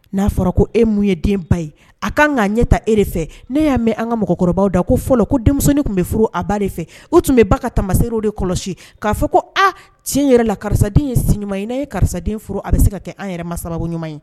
N'a fɔra ko e mun ye den ba ye a ka kan k'a ɲɛ ta e de fɛ ne y'a mɛn an ka mɔgɔkɔrɔba da ko fɔlɔ ko denmisɛnnin tun bɛ furu a ba de fɛ o tun bɛ ba ka tama sew de kɔlɔsi k'a fɔ ko aa tiɲɛ yɛrɛ la karisa den ye ɲuman n'a ye karisa den furu a bɛ se ka kɛ an yɛrɛ ma sababu ɲuman ye